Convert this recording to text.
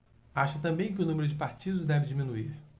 acha também que o número de partidos deve diminuir